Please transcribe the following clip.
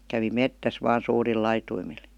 kävi metsässä vain suurilla laitumilla